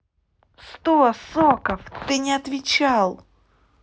сто соков ты не отвечал